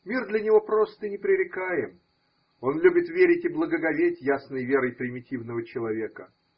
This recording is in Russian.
Мир для него прост и непререкаем: он любит верить и благоговеть ясной верой примитивного человека.